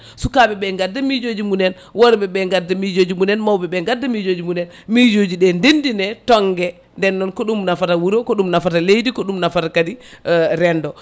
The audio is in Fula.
sukaɓeɓe gadda miijoji munen worɓeɓe gadda miijoji munen mawɓeɓe gadda miijoji munen miijojiɗe ndendine tonggue nden noon ko ɗum nafata wuuro ko nafata leydi ko ɗum nafata kadi rendo